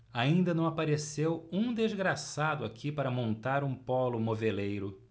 ainda não apareceu um desgraçado aqui para montar um pólo moveleiro